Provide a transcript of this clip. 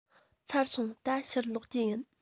ཚར སོང ད ཕྱིར ལོག རྒྱུ ཡིན